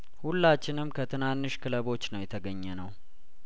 ሁላችንም ከትናንሽ ክለቦች ነው የተገኘ ነው